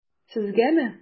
Сезгәме?